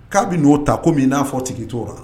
K'a bɛ n'o ta ko min n'a fɔ tigi to'o la